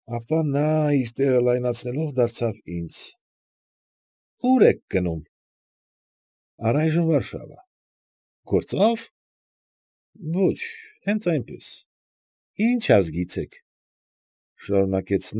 Ապա նա, իր տեղը լայնացնելով, դարձավ ինձ. ֊ Ո՞ւր եք գնում։ ֊ Առայժմ Վարշավա։ ֊ Գործո՞վ։ ֊ Ոչ, հենց այնպես։ ֊ Ի՞նչ ազգից եք,֊ շարունակեց։